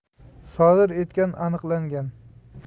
sodir etgani aniqlangan